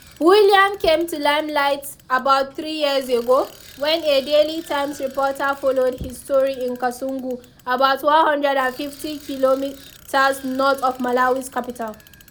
William came to limelight about three years ago when a Daily Times reporter followed his story in Kasungu about 150 kilometers north of Malawi's capital.